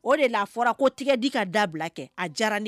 O de la fɔra ko tigɛ di ka dabila kɛ a diyara